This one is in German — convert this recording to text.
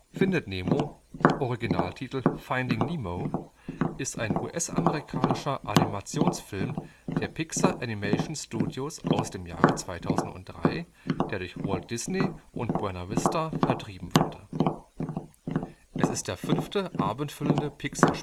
Findet Nemo (Originaltitel: Finding Nemo) ist ein US-amerikanischer Animationsfilm der Pixar Animation Studios aus dem Jahr 2003, der durch Walt Disney und Buena Vista vertrieben wurde. Es ist der fünfte abendfüllende Pixar-Spielfilm